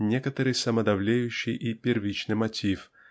некоторый самодовлеющий и первичный мотив